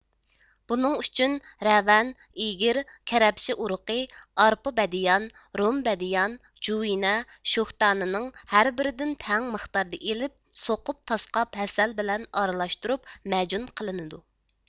بۇنىڭ ئۈچۈن رەۋەن ئىگىر كەرەپشە ئۇرۇقى ئارپا بەديان رۇم بەديان جۇۋىنە شوھدانىنىڭ ھەر بىرىدىن تەڭ مىقداردا ئېلىپ سوقۇپ تاسقاپ ھەسەل بىلەن ئارىلاشتۇرۇپ مەجۇن قىلىنىدۇ